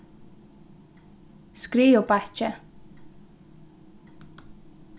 skriðubakki